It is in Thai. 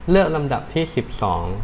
เลือกลำดับที่สิบสอง